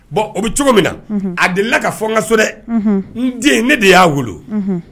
Bon o bɛ cogo min na a delila ka fɔ n ka so dɛ n den ne de y'a wolo